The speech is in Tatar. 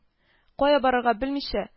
Кая барырга белмичә